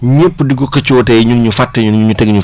ñëpp di ko xëcoo tey ñun ñu fàtte ñu tegee ñu